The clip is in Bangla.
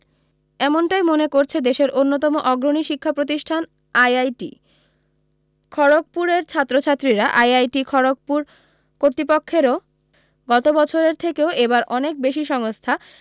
এমনটাই মনে করছে দেশের অন্যতম অগ্রণী শিক্ষা প্রতিষ্ঠান আইআইটি খড়গপুরের ছাত্র ছাত্রীরা আইআইটি খড়গপুর কর্তৃপক্ষেরও গতবছরের থেকেও এবার অনেক বেশী সংস্থা